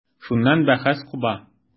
Шуннан бәхәс куба.